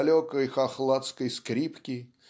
далекой хохлацкой скрипки